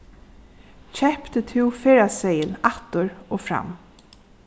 keypti tú ferðaseðil aftur og fram